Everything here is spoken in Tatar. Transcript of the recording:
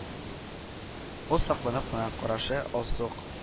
Ул сакланып кына карашы алсу